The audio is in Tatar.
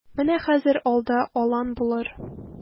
Менә хәзер алда алан булыр.